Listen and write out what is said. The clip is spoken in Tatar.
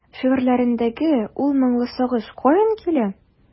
Шигырьләреңдәге ул моңлы сагыш каян килә?